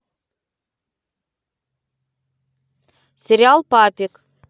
сериал папик